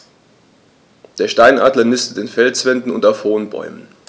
Der Steinadler nistet in Felswänden und auf hohen Bäumen.